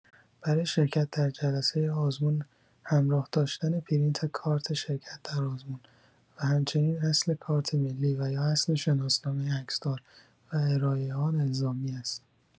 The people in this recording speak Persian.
برای شرکت در جلسه آزمون همراه داشتن پرینت کارت شرکت در آزمون و هم­چنین اصل کارت ملی و یا اصل شناسنامه عکسدار و ارائه آن الزامی است.